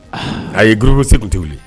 Aaa a ye goro seging tɛ wuli